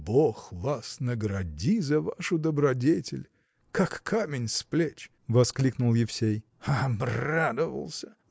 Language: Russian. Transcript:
– Бог вас награди за вашу добродетель! как камень с плеч! – воскликнул Евсей. – Обрадовался!